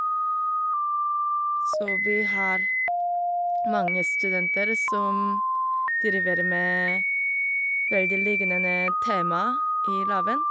Så vi har mange studenter som driver med veldig lignende tema i laben.